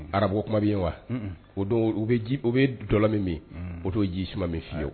Arabu ko kuma bɛ ye wa o dun u bɛ dɔlɔ min min o t tɛ o ji suma min fiyewu.